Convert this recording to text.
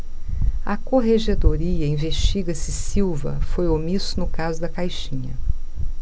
a corregedoria investiga se silva foi omisso no caso da caixinha